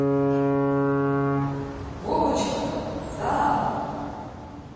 вовочка да